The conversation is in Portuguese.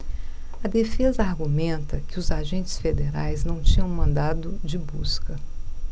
a defesa argumenta que os agentes federais não tinham mandado de busca